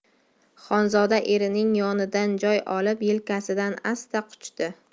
xonzoda erining yonidan joy olib yelkasidan asta quchdi